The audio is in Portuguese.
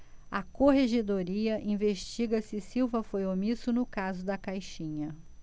a corregedoria investiga se silva foi omisso no caso da caixinha